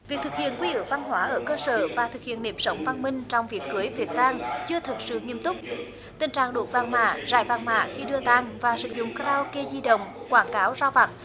việc thực hiện quy ước văn hóa ở cơ sở và thực hiện nếp sống văn minh trong việc cưới việc tang chưa thực sự nghiêm túc tình trạng đốt vàng mã rải vàng mã khi đưa tang và sử dụng ka ra ô ke di động quảng cáo rao vặt